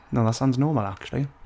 No, that sounds normal, actually.